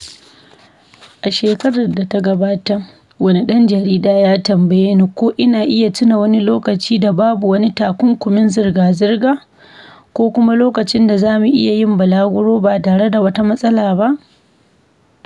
Shekarar da ta gabata, wani ɗan jarida ya tambaye ni ko ina tuna wani lokaci da babu wani takunkumin zirga-zirga ko kuma lokacin da za mu iya yin balaguro ba tare da wata matsala ba.